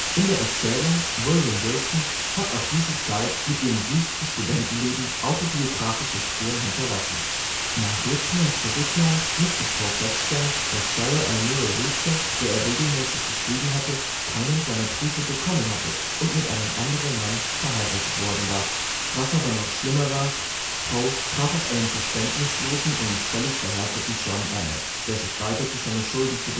In der Erzählung William Wilson hat auch diese Zeit mit ihrem wüsten Studentenleben autobiografische Spuren hinterlassen. Nach Richmond zurückkehrend, musste Poe feststellen, dass Sarah Elmira Royster, der er regelmäßig geschrieben hatte, keinen seiner Briefe bekommen hatte und mit einem anderen Mann verheiratet worden war. Was aber noch schlimmer war: Poe traf auf einen verständnislosen und völlig verhärteten John Allan, der sich weigerte, seine Schulden zu